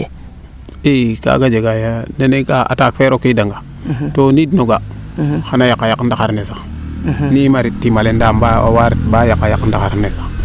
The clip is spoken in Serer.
i kaaga jega neno ga'a attaque fe rokida nga to o niid no ga xana yaqa yaq ndaxar ne sax ne ima tima le mais a wa reta ret baa yaq ndaxr ne sax